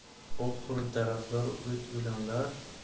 oxiri daraxtlaru o't o'lanlar